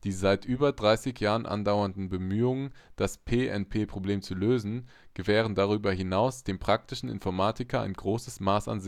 seit über dreißig Jahren andauernden Bemühungen, das P-NP-Problem zu lösen, gewähren darüber hinaus dem praktischen Informatiker ein großes Maß an Sicherheit